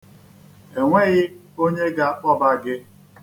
E nweghị onye ga-akpọba gị.